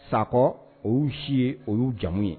Sakɔ o yu si ye o yu jamu ye.